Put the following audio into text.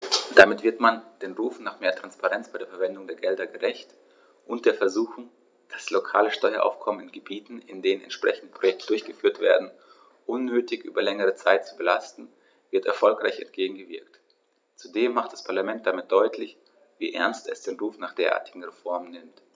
Damit wird man den Rufen nach mehr Transparenz bei der Verwendung der Gelder gerecht, und der Versuchung, das lokale Steueraufkommen in Gebieten, in denen entsprechende Projekte durchgeführt werden, unnötig über längere Zeit zu belasten, wird erfolgreich entgegengewirkt. Zudem macht das Parlament damit deutlich, wie ernst es den Ruf nach derartigen Reformen nimmt.